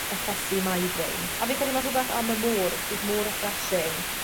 achosi migrain. A fi'n credu ma' rhwbeth am y môr sydd mor refreshing